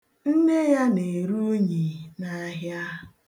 Nne ya na-ere unyi n'ahịa.